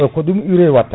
eyy ko ɗum urée watta